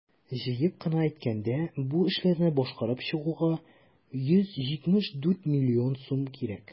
Җыеп кына әйткәндә, бу эшләрне башкарып чыгуга 174 млн сум кирәк.